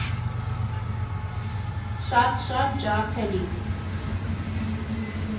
Շաատ շատ ջարդելիք։